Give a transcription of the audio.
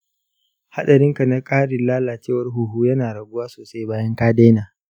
hadarinka na ƙarin lalacewar huhu yana raguwa sosai bayan ka daina.